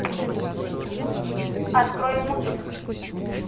открой музыку